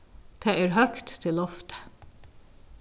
tað er høgt til loftið